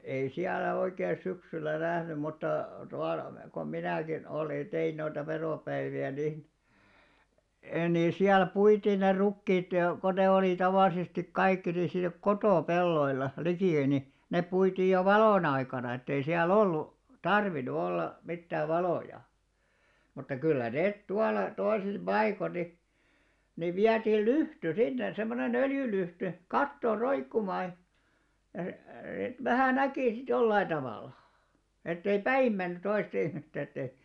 ei siellä oikein syksyllä nähnyt mutta tuolla kun minäkin olin ja tein noita veropäiviä niin - niin siellä puitiin ne rukiit kun ne oli tavallisesti kaikki niin siinä kotopelloilla liki että niin ne puitiin jo valon aikana että ei siellä ollut tarvinnut olla mitään valoja mutta kyllä ne tuolla toisissa paikoin niin niin vietiin lyhty sinne semmoinen öljylyhty kattoon roikkumaan -- että vähän näki sitten jollakin tavalla että ei päin mennyt toista ihmistä että ei